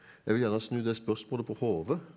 jeg vil gjerne snu det spørsmålet på hodet.